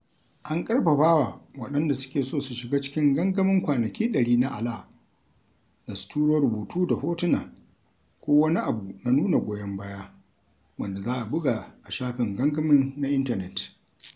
An ƙarfafawa waɗanda suke so su shiga cikin gangamin "kwanaki 100 na Alaa" da su turo "rubutu da hotuna ko wani abu na nuna goyon baya" wanda za a buga a shafin gangamin na intanet.